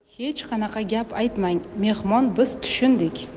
hech qanaqa gap aytmang mehmon biz tushundik